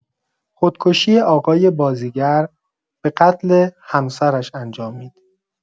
خودکشی آقای بازیگر به قتل همسرش انجامید.